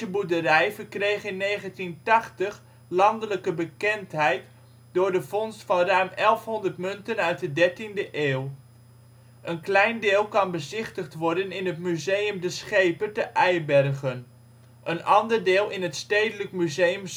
boerderij verkreeg in 1980 landelijke bekendheid door de vondst van ruim 1100 munten uit de dertiende eeuw. Een klein deel kan bezichtigd worden in het Museum de Scheper te Eibergen. Een ander deel in het Stedelijk Museum